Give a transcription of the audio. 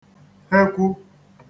hekwū